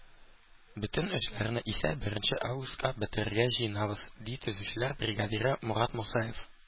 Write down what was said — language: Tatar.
Бөтен эшләрне исә беренче августка бетерергә җыенабыз, - ди төзүчеләр бригадиры Мурат Мусаев.